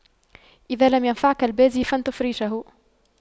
إذا لم ينفعك البازي فانتف ريشه